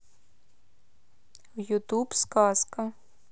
ютуб сказка